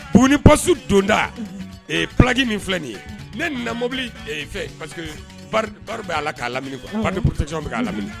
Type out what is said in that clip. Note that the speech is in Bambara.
Bon ni pasi donda paki nin filɛ nin ye ne mɔbili fɛ bɛ ala k'a lamini nikisɛjɔn bɛ'a laminɛ